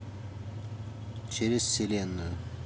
через вселенную